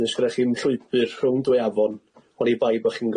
Does gynnoch chi'm llwybyr rhwng dwy afon oni bai bo' chi'n